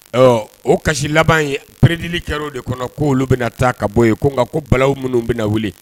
Ɔ o kasi laban in ye prédit li kɛr'o de kɔnɔ k'olu bena taa ka bɔ ye ko ŋa ko balawu munnu bena wuli